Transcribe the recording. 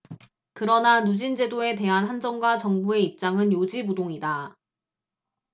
그러나 누진제도에 대한 한전과 정부의 입장은 요지부동이다